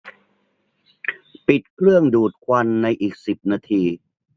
ปิดเครื่องดูดควันในอีกสิบนาที